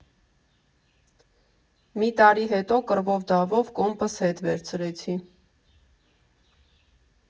Մի տարի հետո կռվով֊դավով կոմպս հետ վերցրեցի։